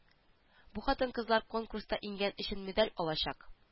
Бу хатын-кызлар конкурста иңгән өчен медаль алачак